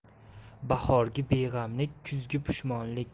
bahorgi beg'amlik kuzgi pushmonlik